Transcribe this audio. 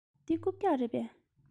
འདི རྐུབ བཀྱག རེད པས